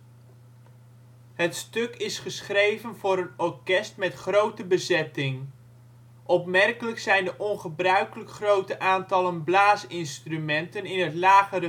Het stuk is geschreven voor een orkest met grote bezetting. Opmerkelijk zijn de ongebruikelijk grote aantallen blaasinstrumenten in het lage